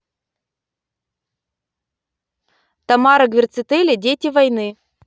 тамара гвердцители дети войны